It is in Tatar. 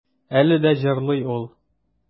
Әле дә җырлый ул.